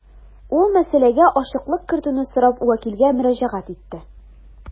Ул мәсьәләгә ачыклык кертүне сорап вәкилгә мөрәҗәгать итте.